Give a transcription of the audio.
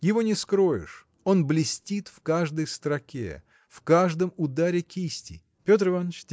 Его не скроешь: он блестит в каждой строке, в каждом ударе кисти. – Петр Иваныч!